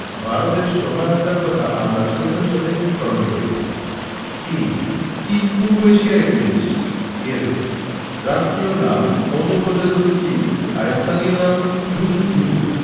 ভারতের সহায়তার কথা আমরা শ্রদ্ধার সাথে স্মরণ করি চীনঃ চীন পূর্ব এশিয়ার একটি দেশ এর রাষ্ট্রীয় নাম গণপ্রজাতন্ত্রী চীন আর স্থানীয় নাম ঝুংঘু